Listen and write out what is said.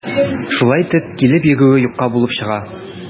Шулай итеп, килеп йөрүе юкка булып чыга.